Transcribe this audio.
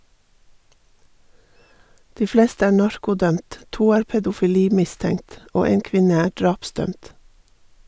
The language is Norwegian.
De fleste er narkodømt, to er pedofili-mistenkt og en kvinne er drapsdømt.